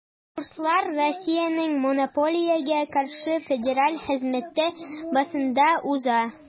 Курслар Россиянең Монополиягә каршы федераль хезмәте базасында уза.